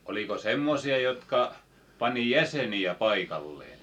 oliko semmoisia jotka pani jäseniä paikalleen